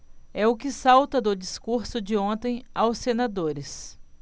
é o que salta do discurso de ontem aos senadores